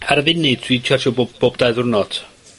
Ar y funud dwi tsiarjio bob bob dau ddiwrnod.